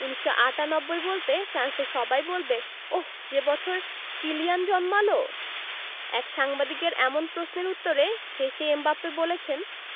১৯৯৮ বলতে ফ্রান্সের সবাই বলবে ওহ্ যে বছর কিলিয়ান জন্মাল এক সাংবাদিকের এমন প্রশ্নের উত্তরে হেসে এমবাপ্পে বলেছেন